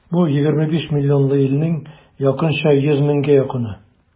Бу егерме биш миллионлы илнең якынча йөз меңгә якыны.